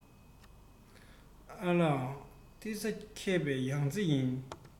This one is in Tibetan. ཨ ལགས ངྷི ཚ མཁས པའི ཡང རྩེ ཡིན